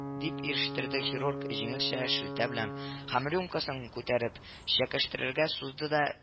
— дип ирештерде хирург, җиңелчә шелтә белән, һәм рюмкасын күтәреп чәкәштрергә сузды да